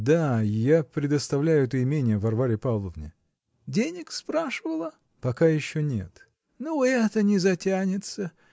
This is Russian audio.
-- Да, я предоставляю это именье Варваре Павловне. -- Денег спрашивала? -- Пока еще нет. -- Ну, это не затянется.